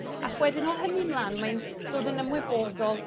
Ac wedyn o hynny ymlan mae'n dod yn ymwybodol